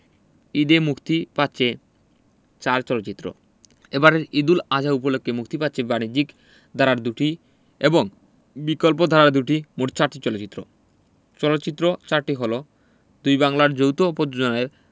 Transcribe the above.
ঈদে মুক্তি পাচ্ছে চার চলচ্চিত্র এবারের ঈদ উল আযহা উপলক্ষে মুক্তি পাচ্ছে বাণিজ্যিক ধারার দুটি এবং বিকল্পধারার দুটি মোট চারটি চলচ্চিত্র চলচ্চিত্র চারটি হলো দুই বাংলার যৌথ পযোজনায়